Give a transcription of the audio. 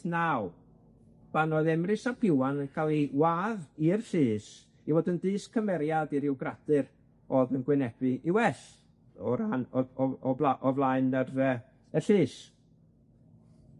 naw, pan oedd Emrys ap Iwan yn ca'l 'i wadd i'r llys i fod yn dyst cymeriad i ryw gradur o'dd yn gwynebu 'i well o ran o o bla- o flaen yr yy y llys.